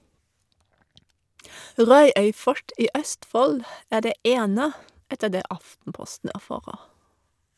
Rauøy fort i Østfold er det ene , etter det Aftenposten erfarer.